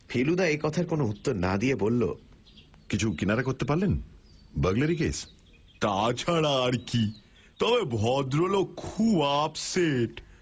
ফেলুদা একথার কোনও উত্তর না দিয়ে বলল কিছু কিনারা করতে পারলেন বার্গলারি কেস তা ছাড়া আর কী তবে ভদ্রলোক খুব আপসেট